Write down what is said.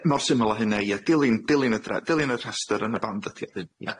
Yy yy mor syml â hynna ie dilyn dilyn y dra- dilyn y rhestyr yn y band ydi o ddim.